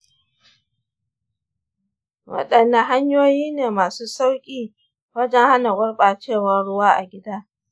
waɗanne hanyoyi ne masu sauƙi wajen hana gurɓacewan ruwa a gida?